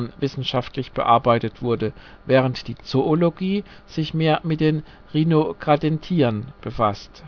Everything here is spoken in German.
wissenschaftlich bearbeitet wurde, während die Zoologie sich mehr mit den Rhinogradentiern befasst